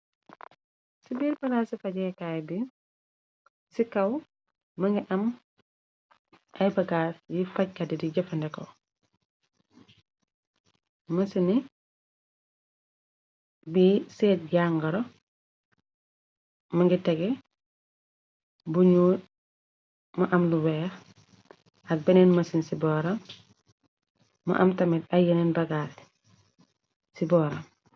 Ci biir parasi fajeekaay bi ci kaw më ngi am ay bagaal yi fajkadi di jëfa ndeko mësini bi seet yàngaro më ngi tege buñu ma am lu weex ak beneen mësin ci boora mu am tamit ay yeneen bagaa ci booram.